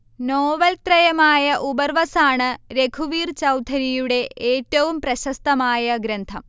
നോവൽത്രയമായ ഉപർവസാണ് രഘുവീർ ചൗധരിയുടെ ഏറ്റവും പ്രശസ്തമായ ഗ്രന്ഥം